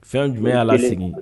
Fɛn jumɛn yya la segin